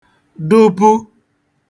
dụpu